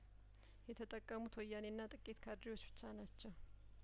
የተጠቀሙት ወያኔና ጥቂት ካድሬዎች ብቻ ናቸው